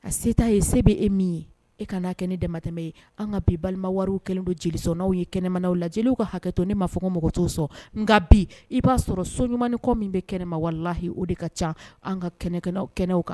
A se' ye se bɛ e min ye e kan n'a kɛ ne dɛmɛtɛmɛ ye an ka bi balimaw kɛlen don jeli n' aw ye kɛnɛmaw la jeliw ka hakɛtɔ ne maa fɔ ko mɔgɔ to sɔn nka bi i b'a sɔrɔ so ɲuman kɔ min bɛ kɛnɛmawalela h o de ka ca an ka kɛnɛ kɛnɛ aw kɛnɛ kan